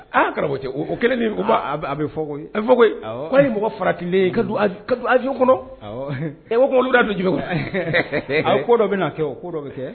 Aa karamɔgɔcɛ o o 1 nin u b'a aa a be a be fɔ koyi a be fɔ koyi awɔ ko nin mɔgɔ faratilen ka don av ka don avion kɔnɔ awɔ ee tuma olu de y'a don jumɛn kɔnɔ awɔ ko dɔ bena kɛ o ko dɔ be kɛ